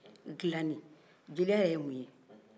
dilanin jeliya ye mun ye